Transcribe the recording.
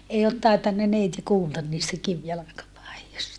ei ole tainnut neiti kuulla niistä kivijalkapaidoista